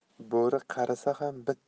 bo'ri qarisa ham